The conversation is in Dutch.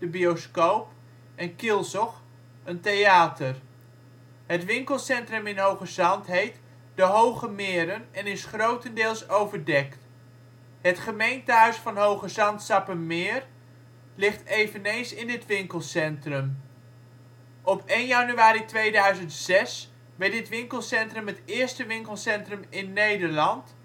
bioscoop Kielzog, theater Het winkelcentrum in Hoogezand heet De Hooge Meeren en is grotendeels overdekt. Het gemeentehuis van Hoogezand-Sappemeer ligt eveneens in dit winkelcentrum. Op 1 januari 2006 werd dit winkelcentrum het eerste winkelcentrum in Nederland